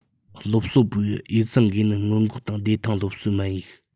སློབ གསོ པུའུ ཡི ཨེ ཙི འགོས ནད སྔོན འགོག དང བདེ ཐང སློབ གསོའི སྨན ཡིག